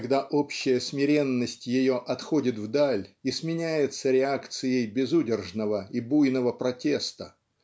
когда общая смиренность ее отходит вдаль и сменяется реакцией безудержного и буйного протеста.